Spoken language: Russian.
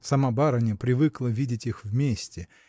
Сама барыня привыкла видеть их вместе